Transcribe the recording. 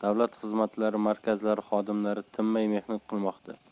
davlat xizmatlari markazlari xodimlari tinmay mehnat qilmoqda